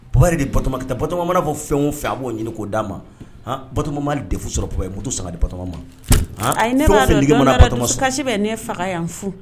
De bama mana fɔ fɛn o fɛ a b'o ɲini k' d di'a ma batoma mali de fu sɔrɔtu san ba ma a fa yan fo